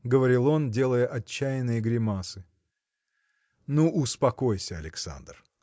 – говорил он, делая отчаянные гримасы. – Ну, успокойся, Александр!